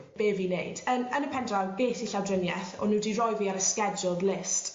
Be' fi neud yn yn y pendraw ges i llawdrinieth o'n n'w 'di roi fi ar y scheduled list